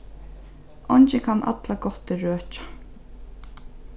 eingin kann allar gáttir røkja